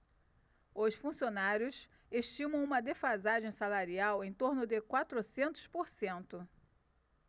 os funcionários estimam uma defasagem salarial em torno de quatrocentos por cento